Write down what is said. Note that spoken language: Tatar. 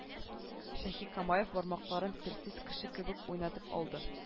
Шаһикамаев бармакларын телсез кеше кебек уйнатып алды